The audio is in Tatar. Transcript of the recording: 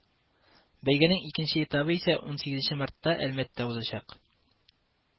Бәйгенең икенче этабы исә унсигезенче мартта Әлмәттә узачак